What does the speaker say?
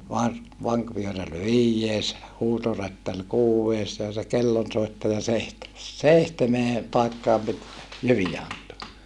niin no rovasti yksi kappalainen toinen lukkari kolmas teemanni neljäs ja haudankaivaja - vankivyöräri viides huutorättäri kuudes ja se kellonsoittaja seitsemäs seitsemään paikkaan piti jyviä antaa